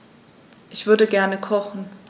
Ich würde gerne kochen.